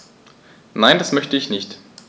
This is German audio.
Nein, das möchte ich nicht.